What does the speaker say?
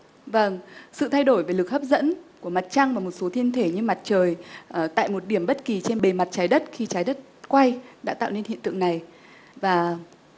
vầng sự thay đổi về lực hấp dẫn của mặt trăng và một số thiên thể như mặt trời ở tại một điểm bất kỳ trên bề mặt trái đất khi trái đất quay đã tạo nên hiện tượng này và